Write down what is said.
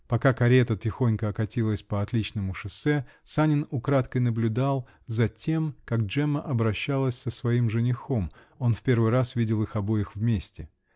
Пока карета тихонько катилась по отличному шоссе, Санин украдкой наблюдал за тем, как Джемма обращалась со своим женихом: он в первый раз видел их обоих вместе.